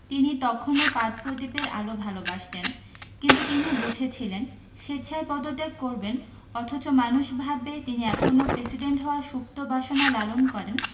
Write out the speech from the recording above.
তিনি তখনো পাদপ্রদীপের আলো ভালোবাসতেন কিন্তু তিনি বুঝেছিলেন স্বেচ্ছায় পদত্যাগ করবেন অথচ মানুষ ভাববে তিনি এখনো প্রেসিডেন্ট হওয়ার সুপ্ত বাসনা লালন করেন